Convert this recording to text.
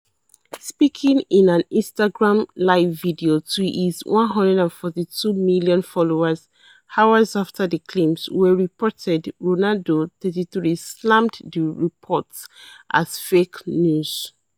Speaking in an Instagram Live video to his 142 million followers hours after the claims were reported, Ronaldo, 33, slammed the reports as "fake news."